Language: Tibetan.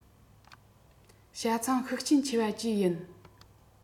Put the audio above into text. བྱ ཚང ཤུགས རྐྱེན ཆེ བ བཅས ཡིན